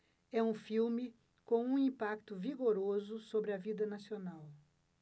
é um filme com um impacto vigoroso sobre a vida nacional